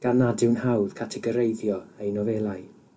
gan nad yw'n hawdd categoreiddio ei nofelau.